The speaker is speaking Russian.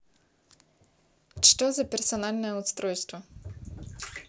что за персональное устройство